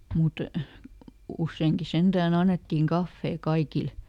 mutta useinkin sentään annettiin kahvia kaikille